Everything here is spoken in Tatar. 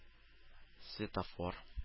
Светофор